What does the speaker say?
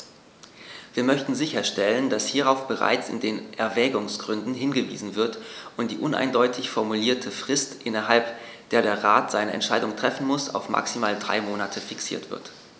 Wir möchten sicherstellen, dass hierauf bereits in den Erwägungsgründen hingewiesen wird und die uneindeutig formulierte Frist, innerhalb der der Rat eine Entscheidung treffen muss, auf maximal drei Monate fixiert wird.